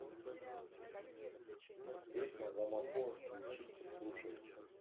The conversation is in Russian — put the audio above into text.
песня домофон включить и слушать